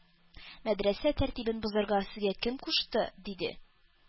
Мәдрәсә тәртибен бозарга сезгә кем кушты? - диде.